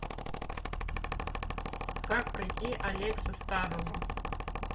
как пройти алекса старова